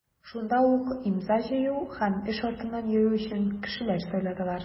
Шунда ук имза җыю һәм эш артыннан йөрү өчен кешеләр сайладылар.